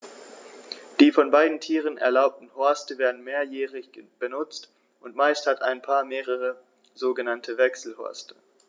Die von beiden Tieren erbauten Horste werden mehrjährig benutzt, und meist hat ein Paar mehrere sogenannte Wechselhorste.